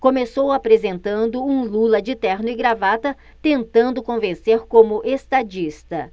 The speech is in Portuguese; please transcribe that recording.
começou apresentando um lula de terno e gravata tentando convencer como estadista